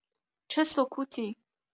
چه سکوتی!